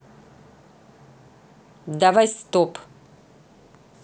давай стоп